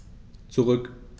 Zurück.